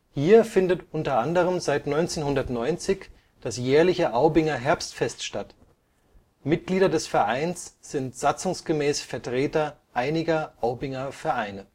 Hier findet unter anderem seit 1990 das jährliche Aubinger Herbstfest statt. Mitglieder des Vereins sind satzungsgemäß Vertreter einiger Aubinger Vereine